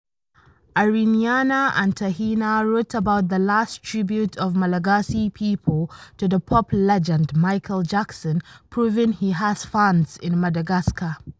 Ariniaina and Tahina wrote about the last tribute of Malagasy people to the pop legend Michael Jackson, proving he has fans in Madagascar.